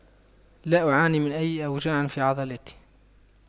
لا أعاني من أي اوجاع في عضلاتي